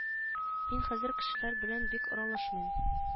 Мин хәзер кешеләр белән бик аралашмыйм